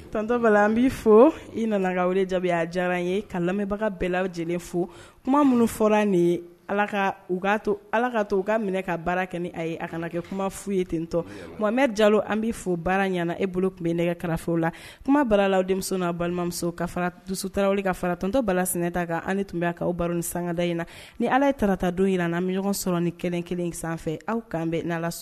Ka lamɛnbaga bɛɛlaw lajɛlen fo minnu fɔra ni ala u'a to ala ka to u ka minɛ ka baara kɛ a ye a kana kɛ kuma foyi ye ten tɔmɛ jalo an bɛ fɔ baara ɲɛna e bolo tun bɛ nɛgɛ kalafew la kuma balalaw denmisɛnw'a balimamuso ka dusutarawwu ka fara tɔntɔntɔbas ta kan tun bɛ kaaw baro ni sangada in na ni ala ye taarata don jira na ni ɲɔgɔn sɔrɔ ni kelen kelen sanfɛ aw k kan bɛn